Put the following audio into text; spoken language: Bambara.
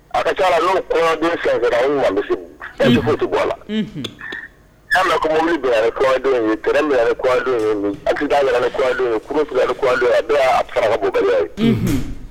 A ka taara nden fɛnti a la korewaden ye ke minɛrewaden ye karamɔgɔko ye